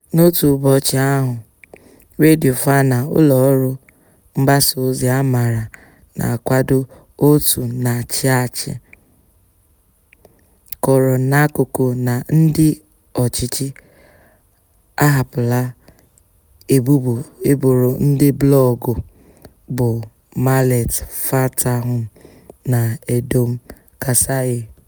N'otu ụbọchị ahụ Radio FANA, ụlọọrụ mgbasaozi a maara na-akwado òtù na-achị achị, kọrọ n'akụkọ na ndị ọchịchị ahapụla ebubo e boro ndị blọọgụ bụ Mahlet Fantahun na Edom Kassaye.